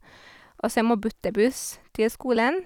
Og så jeg må bytte buss til skolen.